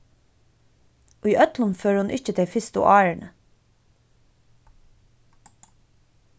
í øllum førum ikki tey fyrstu árini